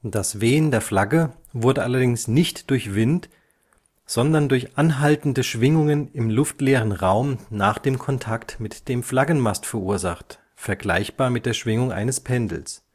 Das Wehen der Flagge wurde allerdings nicht durch Wind, sondern durch anhaltende Schwingungen im luftleeren Raum nach dem Kontakt mit dem Flaggenmast verursacht (vergleichbar mit der Schwingung eines Pendels